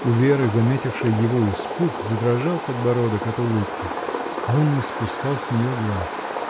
У Веры, заметившей его испуг, задрожал подбородок от улыбки. А он не спускал с нее глаз.